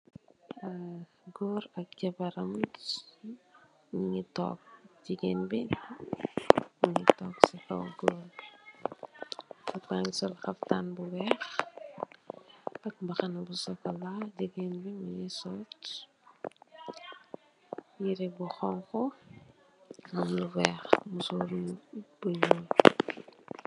Gór ak jabaram ñu ngi tóóg, jigéen bi mugii tóóg ci kaw gór bi, gór ba ngi sol xaptan bu wèèx ak mbàxna bu sokola. Jigéen bi mugii sol yirèh bu xonxu am lu wèèx ,musór bu ñuul.